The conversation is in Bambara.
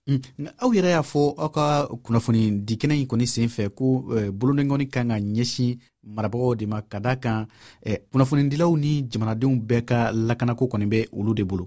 unhun aw yɛrɛ y'a fɔ aw ka kunnafonidikɛnɛ in kɔni senfɛ ko boloninkɔni ka kan ka ɲɛsin marabagaw de ma ka da a kan kunnafonidilaw ni jamanadenw bɛɛ ka lakanako kɔni bɛ olu de bolo